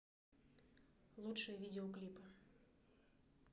лучшие видео клипы